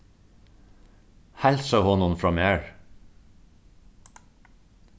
heilsa honum frá mær